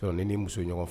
Ni ni muso ɲɔgɔn fɛ